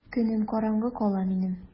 Көнем караңгы кала минем!